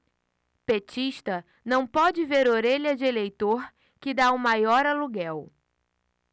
petista não pode ver orelha de eleitor que tá o maior aluguel